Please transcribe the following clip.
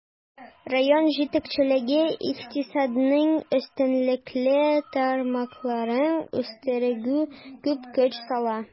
Район җитәкчелеге икътисадның өстенлекле тармакларын үстерүгә күп көч сала.